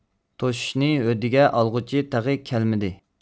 توشۇشنى ھۆددىگە ئالغۇچى تېخى كەلمىدى